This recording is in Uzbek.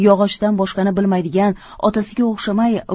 yog'ochdan boshqani bilmaydigan otasiga o'xshamay